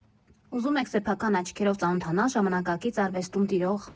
Ուզում եք սեփական աչքերով ծանոթանալ ժամանակից արվեստում տիրող։